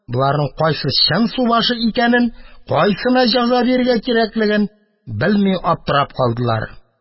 Боларның кайсы чын субашы икәнен, кайсына җәза бирергә кирәклеген белми аптырап калдылар.